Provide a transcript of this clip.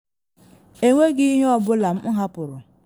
“Enweghi ihe ọ bụla m hapụrụ.”